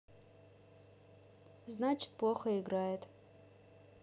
значит плохо играет